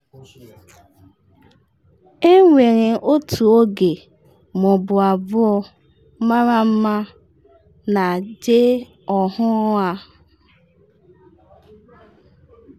Enwere otu oge ma ọ bụ abụọ mara mma na JE ọhụrụ a.